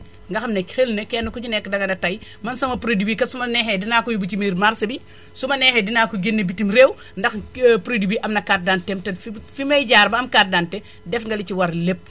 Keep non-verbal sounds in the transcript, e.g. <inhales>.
nga xam ne xéll ne kenn ku ci nekk danga ne tay man sama produit bii kat su ma neexee dinaa ko yóbbu ci biir marché bi <inhales> su ma neexee dina ko géñne bitim réew ndax <hesitation> produit bi am na carte d' identité am te fi may jaar ba am carte d' identité def nga li ci war lépp